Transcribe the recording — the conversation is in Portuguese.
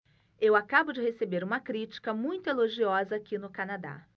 eu acabo de receber uma crítica muito elogiosa aqui no canadá